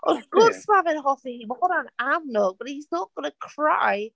Wrth gwrs mae fe'n hoffi hi, mae hwnna'n amlwg but he's not going to cry...